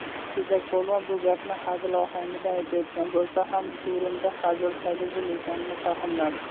kesakpolvon bu gapni hazil ohangida aytayotgan bo'lsa ham chuvrindi hazil tagi zil ekanini fahmladi